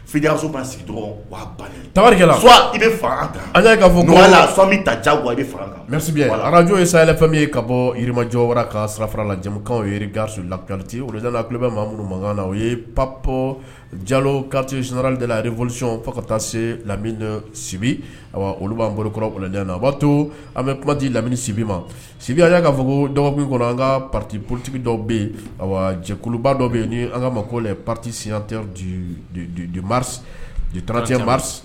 Fiso sigiri faga an faga arajo ye sa fɛn ye ka bɔmajɔ wara karala jamukan garis lati kulo ma minnu mankan na o ye pap jalotisli de lasiyfa ka taa se lam sibi olu b'an bolo na a b'a to an bɛ kumati lamini sibi ma sibiya y'a kaa fɔ ko dɔgɔ kɔnɔ an ka pati ptigi dɔw dɔ bɛ yen jɛkuluba dɔw bɛ yen ni an ka ma ko la patisiteti mariri